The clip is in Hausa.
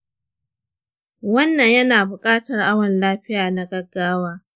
wannan ya na buƙatar awon lafiya na gaggawa